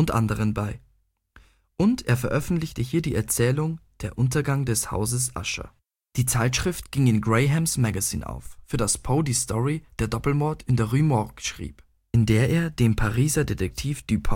u. a. bei, und er veröffentlichte hier die Erzählung Der Untergang des Hauses Usher. Die Zeitschrift ging in Graham 's Magazine auf, für das Poe die Story Der Doppelmord in der Rue Morgue schrieb, in der er den Pariser Detektiv Dupin kreierte, den er